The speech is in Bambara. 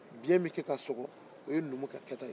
biyɛn min bɛ kɛ k'a sɔgɔ o ye numu ka kɛta ye